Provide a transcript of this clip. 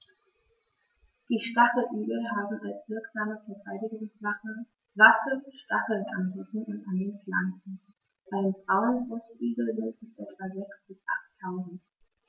Die Stacheligel haben als wirksame Verteidigungswaffe Stacheln am Rücken und an den Flanken (beim Braunbrustigel sind es etwa sechs- bis achttausend).